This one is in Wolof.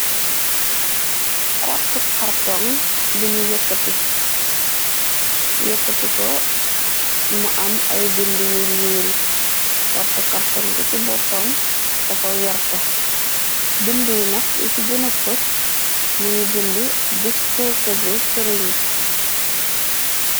Xottu kartong buñu yekkati yëkkatiko mu am ay bind yu ñuul xott karton gi ci boppam dafa werta bind yu nak li ci gëna fës mu ngi bind disposibl careñ ji.